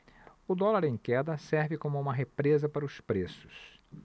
o dólar em queda serve como uma represa para os preços